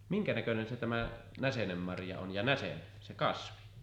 minkä näköinen se tämä näsenenmarja on ja näsen se kasvi